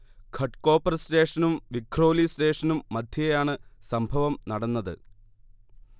ഘട്കോപർ സ്റ്റേഷനും വിഖ്രോലി സ്റ്റേഷനും മധ്യേയാണ് സംഭവം നടന്നത്